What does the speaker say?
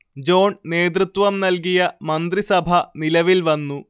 John നേതൃത്വം നൽകിയ മന്ത്രിസഭ നിലവിൽ വന്നു